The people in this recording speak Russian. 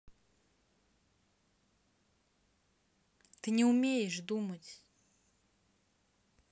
ты не умеешь думать